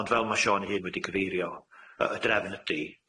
ond fel ma' Siôn hyn wedi cyfeirio yy y drefn ydi,